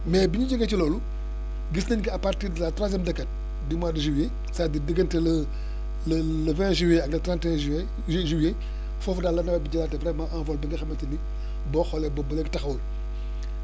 mais bi ñu yeggee ci loolu gis nañ que à partir de la troisième décate du mois de juillet c' est dire diggante le le le vingt juillet ak le trente et un juillet ju juillet foofu daal la nawet bi jëlaatee vraiment envole bi nga xamante ni boo xoolee ba léegi taxawul